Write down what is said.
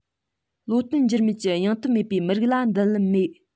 བློ བརྟན འགྱུར མེད ཀྱི སྙིང སྟོབས མེད པའི མི རིགས ལ མདུན ལམ མེད